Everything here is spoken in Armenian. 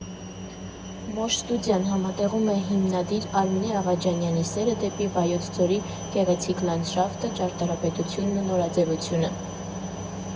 «Մոշ» ստուդիան համատեղում է հիմնադիր Արմինե Աղաջանյանի սերը դեպի Վայոց ձորի գեղեցիկ լանդշաֆտը, ճարտարապետությունն ու նորաձևությունը։